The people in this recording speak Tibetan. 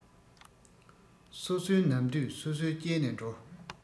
སོ སོའི ནམ དུས སོ སོས བསྐྱལ ནས འགྲོ